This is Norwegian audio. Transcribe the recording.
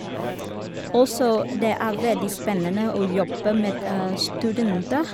Og så det er veldig spennende å jobbe med studenter.